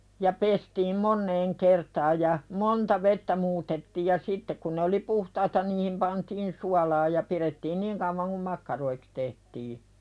ja pestiin moneen kertaan ja monta vettä muutettiin ja sitten kun ne oli puhtaita niihin pantiin suolaa ja pidettiin niin kauan kuin makkaroiksi tehtiin